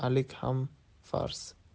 alik ham farz